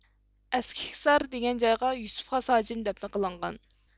ئەسكىھسار دېگەن جايغا يۈسۈپ خاس ھاجىم دەپنە قىلىنغان